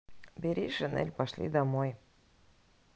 бери шинель пошли домой